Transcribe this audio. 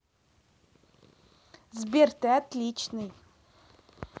сбер ты отличный